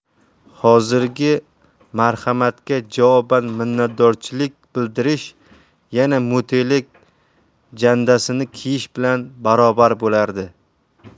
hozirgi marhamatga javoban minnatdorchilik bildirish yana mutelik jandasini kiyish bilan barobar bo'lardi